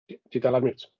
Ti ti dal ar mute.